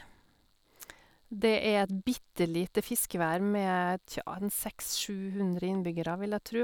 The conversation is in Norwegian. Det er et bitte lite fiskevær med, tja, en seks sju hundre innbyggere, vil jeg tru.